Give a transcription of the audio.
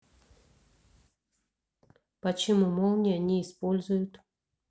почему молния не используют